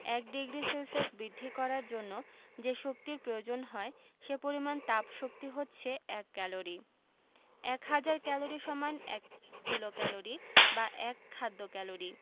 ১ degree Celsius বৃদ্ধি করার জন্য যে শক্তির প্রয়োজন হয় সে পরিমাণ তাপশক্তি হচ্ছে এক ক্যালরি এক হাজার ক্যালরি সমান এক কিলোক্যালরি বা এক খাদ্য ক্যালরি